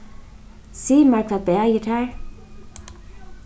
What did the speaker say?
sig mær hvat bagir tær